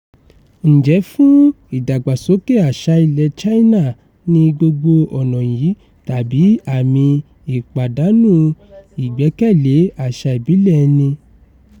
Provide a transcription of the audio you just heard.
Ǹjẹ́ fún ìdàgbàsókè àṣà ilẹ̀ China ni gbogbo ọ̀nà yìí tàbí àmì ìpàdánù ìgbẹ́kẹ̀lé àṣà ìbílẹ̀ ẹni?